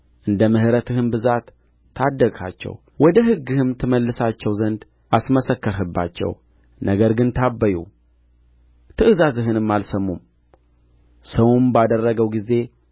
እንደ ምሕረትህም ብዛት ታደግሃቸው ወደ ሕግህም ትመልሳቸው ዘንድ አስመሰከርህባቸው ነገር ግን ታበዩ ትእዛዝህንም አልሰሙም ሰውም ባደረገው ጊዜ